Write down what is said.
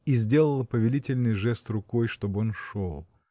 И сделала повелительный жест рукой, чтоб он шел.